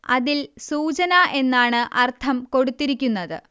അതിൽ സൂചന എന്നാണ് അർത്ഥം കൊടുത്തിരിക്കുന്നത്